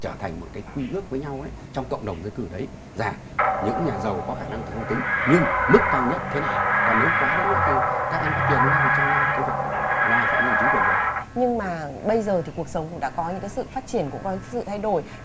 trở thành một cách quy ước với nhau trong cộng đồng dưới cử đấy giả những nhà giàu có khả năng thôn tính những mức cao nhất thế này còn nếu quá đến nữa thì các anh có tiền với nhau thì cho nhau ngoài phạm vi của chính quyền nhưng mà bây giờ thì cuộc sống cũng đã có những sự phát triển của sự thay đổi